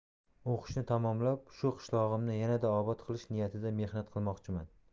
o'qishni tamomlab shu qishlog'imni yanada obod qilish niyatida mehnat qilmoqchiman